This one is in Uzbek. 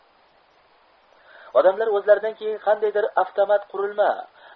odamlar o'zlaridan keyin qandaydir avtomat qurilma